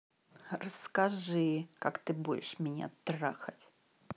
расскажи как ты будешь меня трахать